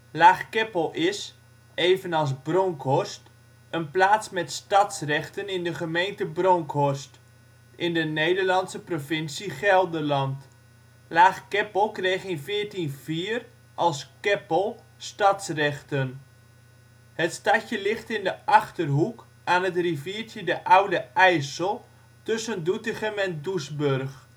Laag-Keppel is - evenals Bronkhorst - een plaats met stadsrechten in de gemeente Bronckhorst, in de Nederlandse provincie Gelderland. Laag-Keppel kreeg in 1404 - als Keppel stadsrechten. Het stadje ligt in de Achterhoek, aan het riviertje de Oude IJssel tussen Doetinchem en Doesburg